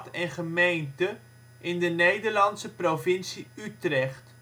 en gemeente in de Nederlandse provincie Utrecht